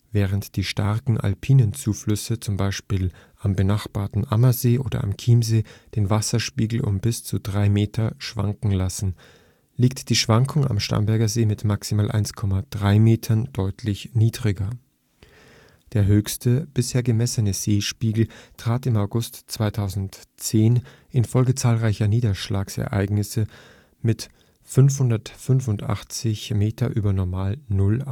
Während die starken alpinen Zuflüsse zum Beispiel am benachbarten Ammersee oder am Chiemsee den Wasserspiegel um bis zu drei Meter schwanken lassen, liegt die Schwankung am Starnberger See mit maximal 1,3 Metern deutlich niedriger. Der höchste bisher gemessene Seespiegel trat im August 2010 infolge zahlreicher Niederschlagsereignisse mit 585,03 m ü. NN auf